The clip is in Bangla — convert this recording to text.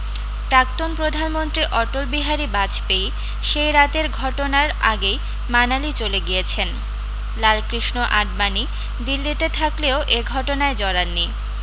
প্রাক্তন প্রধানমন্ত্রী অটলবিহারী বাজপেয়ী সেই রাতের ঘটনার আগেই মানালি চলে গিয়েছেন লালকৃষ্ণ আডবাণী দিল্লীতে থাকলেও এ ঘটনায় জড়াননি